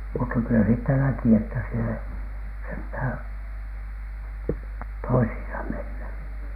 mutta kyllä siitä näki että siellä ei sentään toisiinsa mennyt